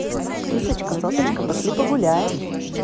кисочка сосочка пошли погуляем